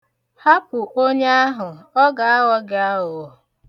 Hapụkwa onye ahụ, ọ ga-aghọ gị aghụghọ.